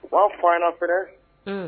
U'a fɔ fɛ